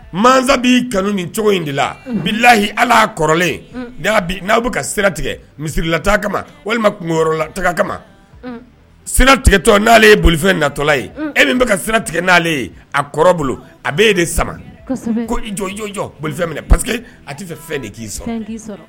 Masasa' kanu ni cogo in de la bilahi ala kɔrɔlenaw bɛ ka sira tigɛ misirilata kama walimalata kama sina tigɛtɔ n'ale ye bolifɛ natɔla ye e min bɛka ka sira tigɛ n'ale ye a kɔrɔ bolo a bɛ de sama ko jɔ jɔ boli minɛ pa a t tɛ fɛ fɛn de k'i sɔn